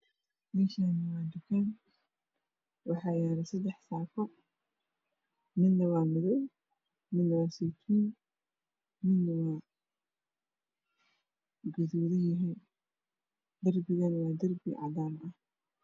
Meeshani waa dukaan waxaa yaalo sadex saako midna waa madoow midna saytuun midna waa gaduudanyahay darbigana waa cagaar